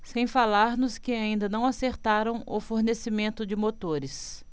sem falar nos que ainda não acertaram o fornecimento de motores